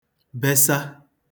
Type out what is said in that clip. besa